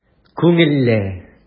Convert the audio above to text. Күңелле!